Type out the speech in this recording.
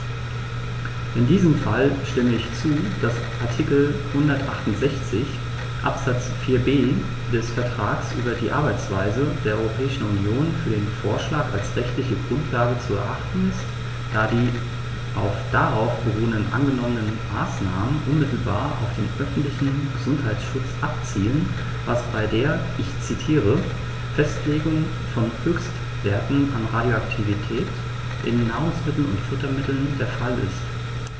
In diesem Fall stimme ich zu, dass Artikel 168 Absatz 4b des Vertrags über die Arbeitsweise der Europäischen Union für den Vorschlag als rechtliche Grundlage zu erachten ist, da die auf darauf beruhenden angenommenen Maßnahmen unmittelbar auf den öffentlichen Gesundheitsschutz abzielen, was bei der - ich zitiere - "Festlegung von Höchstwerten an Radioaktivität in Nahrungsmitteln und Futtermitteln" der Fall ist.